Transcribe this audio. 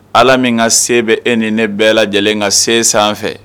Alla min ka se bɛ e ni ne bɛɛ lajɛlen ka sen sanfɛ.